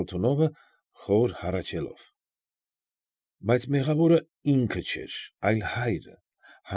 Ալթունովը, խոր հառաչանքով։ Բայց մեղավորը ինքը չէր, այլ հայրը։